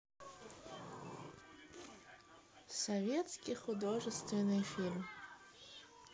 советский художественный фильм